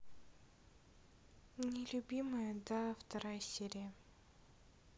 нелюбимая да вторая серия